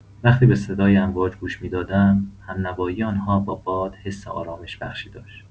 وقتی به صدای امواج گوش می‌دادم، همنوایی آن‌ها با باد حس آرامش‌بخشی داشت.